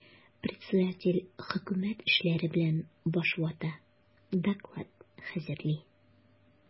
Председатель хөкүмәт эшләре белән баш вата, доклад хәзерли.